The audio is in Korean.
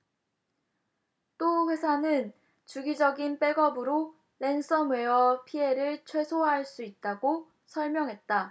또 회사는 주기적인 백업으로 랜섬웨어 피해를 최소화 할 수 있다고 설명했다